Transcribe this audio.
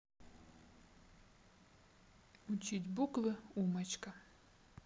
учить буквы умочка